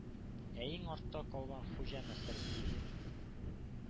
Ә иң артта калган Хуҗа Насретдин,